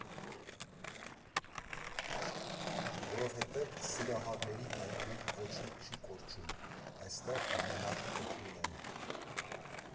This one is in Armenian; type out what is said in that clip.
Որովհետև Սիրահարների այգում ոչինչ չի կորչում, այստեղ մենակ գտնում են։